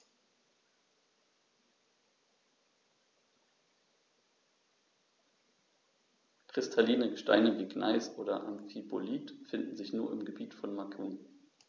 Kristalline Gesteine wie Gneis oder Amphibolit finden sich nur im Gebiet von Macun.